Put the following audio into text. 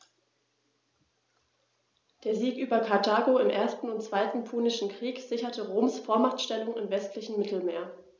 Der Sieg über Karthago im 1. und 2. Punischen Krieg sicherte Roms Vormachtstellung im westlichen Mittelmeer.